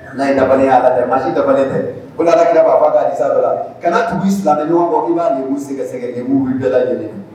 Lahi dafalenya ye Ala ta ye maa si dafalen tɛ o de la alakira b'a fɔ a ka hadisa dɔ la kana tugu i silamɛɲɔgɔn kɔ k'i b'a leebu sɛgɛ-sɛgɛ bɛɛ lajɛlen na